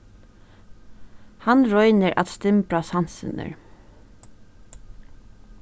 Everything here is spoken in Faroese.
hann roynir at stimbra sansirnir